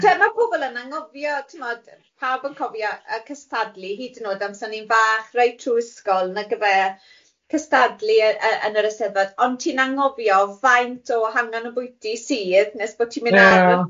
Te ma' pobl yn angofio timod, pawb yn cofio yy cystadlu hyd yn od amser ni'n fach reit trwy ysgol nagyfe cystadlu y- y- yn yr Ysteddfod ond ti'n anghofio faint o hangian obwyty sydd nes bod ti'n mynd ar... Wel.